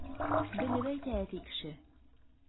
Белеп әйтә әти кеше!